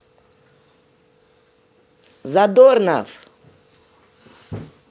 задорнов